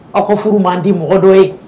Aw ka furu ma'an di mɔgɔ dɔ ye